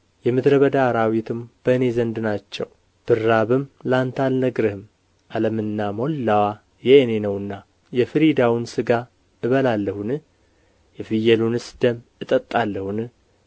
የምድረ በዳ አራዊትም በእኔ ዘንድ ናቸው ብራብም ለአንተ አልነግርህም ዓለምና ሞላው የእኔ ነውና የፍሪዳውን ሥጋ እበላለሁን የፍየሉንስ ደም እጠጣለሁን